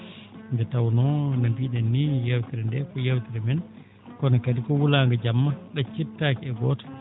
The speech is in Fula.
nde tawnoo no mbii?en nii yeewtere ndee ko yeewtere men ko no kadi ko wulaango jamma ?accirtaake e gooto